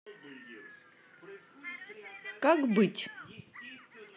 как быть